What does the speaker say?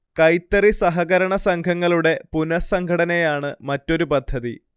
കൈത്തറി സഹകരണ സംഘങ്ങളുടെ പുനഃസംഘടനയാണ് മറ്റൊരു പദ്ധതി